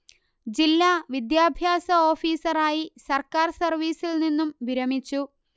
ജില്ലാ വിദ്യാഭ്യാസ ഓഫീസറായി സർക്കാർ സർവീസിൽ നിന്നും വിരമിച്ചു